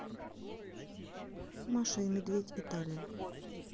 маша и медведь италия